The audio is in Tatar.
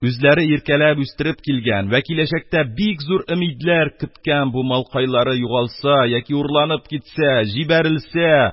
Үзләре иркәләп үстереп килгән вә киләчәктә бик зур өмитләр көткән бу «малкай»лары югалса яки урланып читкә җибәрелсә,